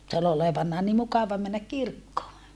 se oli olevanaan niin mukava mennä kirkkoon